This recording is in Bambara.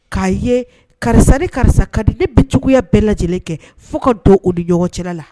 K'a ye karisa ni karisa ka di ni bi juguyaya bɛɛ lajɛlen kɛ fo ka don u ni ɲɔgɔn cɛla la